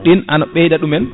ɗin an a ɓeydat ɗumen